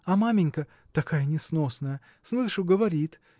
А маменька – такая несносная – слышу, говорит